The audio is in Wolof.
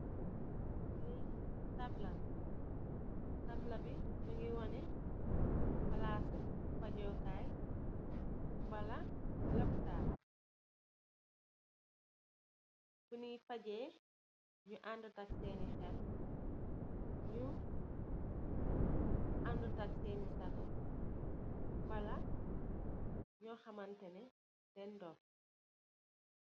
Lii tabla la, tabla bi mingi wane palasu faajo kaay, mbala lapital funyi fajee nyu anduut tag seeni xeel, nyu anduut tag seen sago mbala nyu xamate nii deej dof